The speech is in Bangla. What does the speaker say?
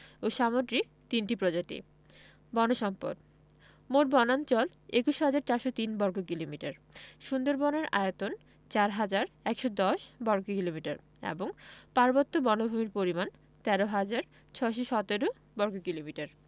ও সামুদ্রিক ৩ টি প্রজাতি বন সম্পদঃ মোট বনাঞ্চল ২১হাজার ৪০৩ বর্গ কিলোমিটার সুন্দরবনের আয়তন ৪হাজার ১১০ বর্গ কিলোমিটার এবং পার্বত্য বনভূমির পরিমাণ ১৩হাজার ৬১৭ বর্গ কিলোমিটার